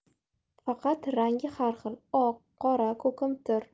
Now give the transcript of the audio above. faqat rangi har xil oq qora ko'kimtir